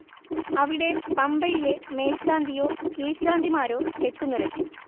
അവിടെ പമ്പയിലെ മേൽശാന്തിയോ കീഴ്ശാന്തിമാരോ കെട്ടു നിറയ്ക്കും